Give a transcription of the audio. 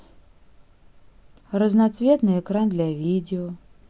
разноцветный экран для видео